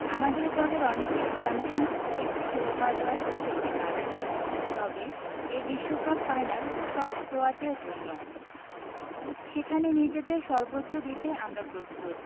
আমাদের দলের অনেকের চ্যাম্পিয়নস লিগ শিরোপা জয়ের অভিজ্ঞতা আছে তবে এ বিশ্বকাপ ফাইনাল সব ক্রোয়াটের জন্য সেখানে নিজেদের সর্বোচ্চ দিতে আমরা প্রস্তুত